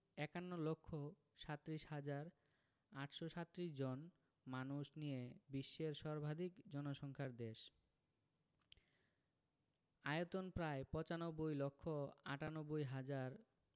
৫১ লক্ষ ৩৭ হাজার ৮৩৭ জন মানুষ নিয়ে বিশ্বের সর্বাধিক জনসংখ্যার দেশ আয়তন প্রায় ৯৫ লক্ষ ৯৮ হাজার